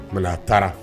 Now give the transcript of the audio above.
Tuma na a taara